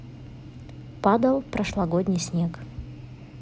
падал прошлогодний снег